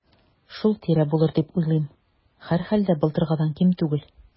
Шул тирә булыр дип уйлыйм, һәрхәлдә, былтыргыдан ким түгел.